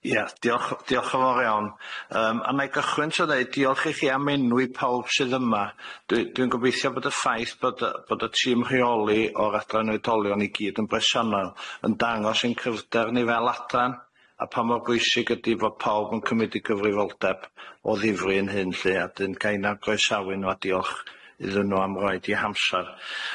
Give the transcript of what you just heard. Ia diolch, diolch yn fawr iawn yym a nâi gychwyn trw ddeud diolch i chi am enwi pawb sydd yma, dwi dwi'n gobeithio bod y ffaith bod y bod y tîm rheoli o'r adran oedolion i gyd yn bresennol yn dangos ein cryfder ni fel adran, a pa mor bwysig ydi bod pawb yn cymryd 'u gyfrifoldeb o ddifri yn hyn 'lly a 'dyn gai 'na groesawu n'w a diolch iddyn nw am roid 'u hamsar.